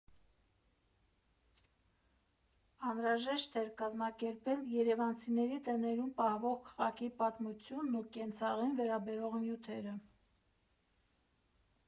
Անհրաժեշտ էր կազմակերպել երևանցիների տներում պահվող քաղաքի պատմությանն ու կենցաղին վերաբերող նյութերը։